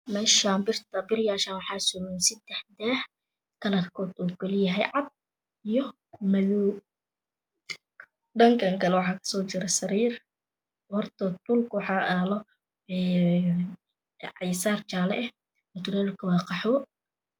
Meeshaan birtaan birayaashaan waxaa suran seddex daah kalarkooda uu kala yahay cad iyo madow. Dhankaan kale waxaa ka soo jira sariir hortood dhulka waxaa "oolo" maahan ee waa yaalo cagasaar jaalle ae. mutuleelka waa qaxwo